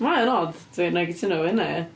Mae o'n od, dwi... wna i gytuno efo hynna, ia.